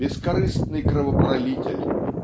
бескорыстный кровопролитель